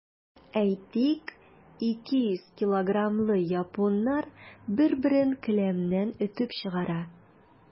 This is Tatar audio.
Әйтик, 200 килограммлы японнар бер-берен келәмнән этеп чыгара.